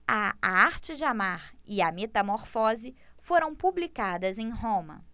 a arte de amar e a metamorfose foram publicadas em roma